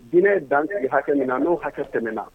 Diinɛ ye dansigi hakɛ min na n'o hakɛ tɛmɛna